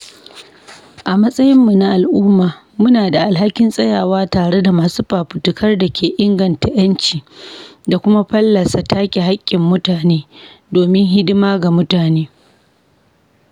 A matsayinmu na al'umma, muna da alhakin tsayawa tare da masu fafutukar da ke inganta ƴanci da kuma fallasa take hakkin mutane domin hidima ga mutane.